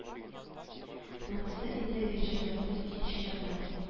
Монысы инде венчурлыкның икенче ягы